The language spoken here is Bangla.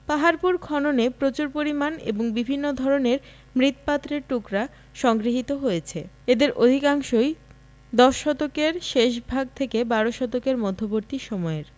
পাহাড়পুর খননে প্রচুর পরিমাণ এবং বিভিন্ন ধরনের মৃৎপাত্রের টুকরা সংগৃহীত হয়েছে এদের অধিকাংশই আনুমানিক দশ শতকের শেষভাগ থেকে বারো শতকের মধ্যবর্তী সময়ের